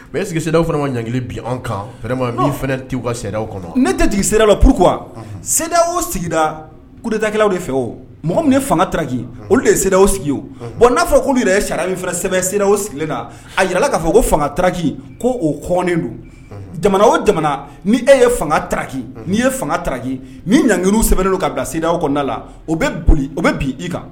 O e sigiw fana ma ɲgkili an kan tɛw kɔnɔ ne tɛ jigin la pkura sen o sigida kodakilaw de fɛ o mɔgɔ min ye fangaki olu de ye sew sigi o wa n'a fɔ' olu yɛrɛ ye sariya min sɛbɛnbɛ o sigilenla a jirala k'a fɔ ko fanga taki ko o don jamana o jamana ni e ye fanga taki nii ye fanga taki ni ɲgge sɛbɛnnen ka bila sedaw kɔnɔ la o bɛ boli o bɛ bi i kan